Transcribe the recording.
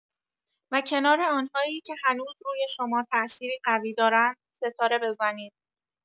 و کنار آن‌هایی که هنوز روی شما تاثیری قوی دارند ستاره بزنید.